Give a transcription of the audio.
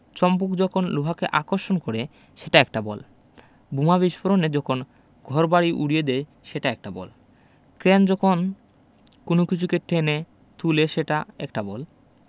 চম্বুক যখন লোহাকে আকর্ষণ করে সেটা একটা বল বোমা বিস্ফোরণে যখন ঘরবাড়ি উড়িয়ে দেয় সেটা একটা বল ক্রেন যখন কোনো কিছুকে টেনে তুলে সেটা একটা বল